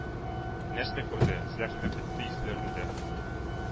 Нәрсә күрде?! — Зәһре бетте йөзләрендә,